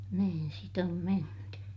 niin sitä on menty